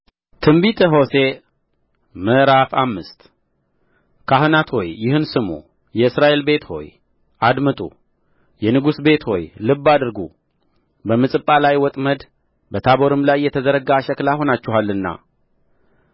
ትንቢተ ሆሴዕ ምዕራፍ አምስት ካህናት ሆይ ይህን ስሙ የእስራኤል ቤት ሆይ አድምጡ የንጉሥ ቤት ሆይ ልብ አድርጉ በምጽጳ ላይ ወጥመድ በታቦርም ላይ የተዘረጋ አሽክላ ሆናችኋልና